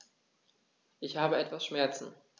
Ich habe etwas Schmerzen.